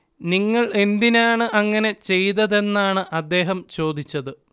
നിങ്ങൾ എന്തിനാണ് അങ്ങനെ ചെയ്തതെന്നാണ് അദ്ദേഹം ചോദിച്ചത്